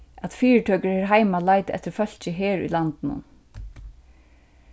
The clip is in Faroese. at fyritøkur her heima leita eftir fólki her í landinum